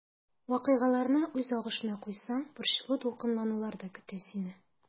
Вакыйгаларны үз агышына куйсаң, борчылу-дулкынланулар да көтә сине.